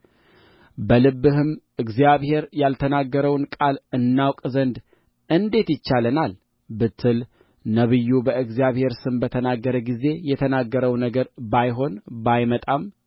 በልብህም እግዚአብሔር ያልተናገውን ቃል እናውቅ ዘንድ እንዴት ይቻለናል ብትል ነቢዩ በእግዚአብሔር ስም በተናገረ ጊዜ የተናገረው ነገር ባይሆን ባይመጣም